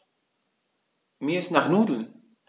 Mir ist nach Nudeln.